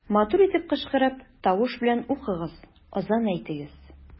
Матур итеп кычкырып, тавыш белән укыгыз, азан әйтегез.